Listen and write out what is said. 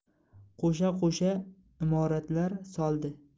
qo'sha qo'sha imoratlar soldi